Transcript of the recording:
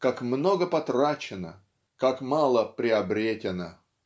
Как много потрачено, как мало приобретено!